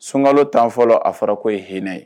Sunka tan fɔlɔ a fɔra ko ye hinɛ ye